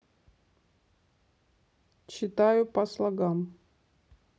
читаю по слогам